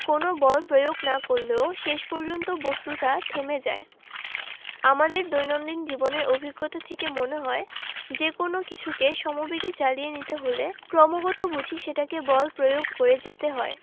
কোনো বল প্রয়োগ না করলেও শেষ পর্যন্ত বস্তুটা থেমে যায় আমাদের দৈনন্দিন জীবনের অভিজ্ঞতা থেকে মনে হয় যেকোনো কিছুকে সমবেগে চালিয়ে নিতে হলে ক্রমাগত বুঝি সেটাতে বল প্রয়োগ করে যেতে হয়